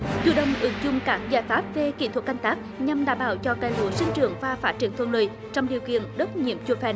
chủ động ứng dụng các giải pháp về kỹ thuật canh tác nhằm đảm bảo cho cây lúa sinh trưởng và phát triển thuận lợi trong điều kiện đất nhiễm chua phèn